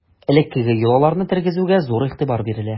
Элекке йолаларны тергезүгә зур игътибар бирелә.